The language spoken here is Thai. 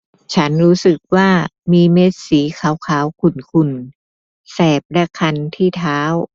ฉันรู้สึกว่ามีเม็ดสีขาวขาวขุ่นขุ่นแสบและคันที่เท้า